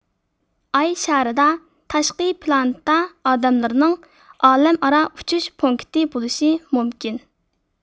ئاي شارىدا تاشقى پلانېتا ئادەملىرىنىڭ ئالەم ئارا ئۇچۇش پونكىتى بولۇشى مۇمكىن